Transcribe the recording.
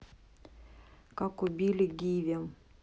как убили гиви